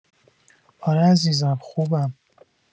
آره عزیزم خوبم.